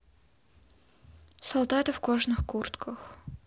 солдаты в кожаных куртках